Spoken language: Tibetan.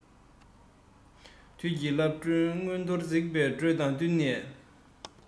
དུས ཀྱི རླབས ཕྲེང མངོན མཐོར བརྩེགས པའི འགྲོས དང བསྟུན ནས